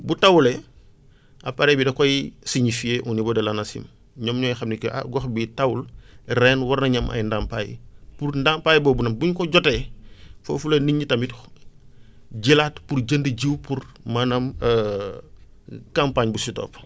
bu tawulee appareil bi da koy signifier au niveau de l' NACIM ñoom ñooy xam ni que ah gox bii tawul ren war nañu am ay ndàmpaay pour ndàmpaay boobu nag bu ñu ko jotee foofu la nit ñi tamit jëlaat pour jëndi jiw pour maanaam camapagne bu si topp